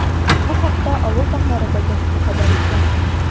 Бу хакта “Авыл таңнары” газетасы хәбәр итә.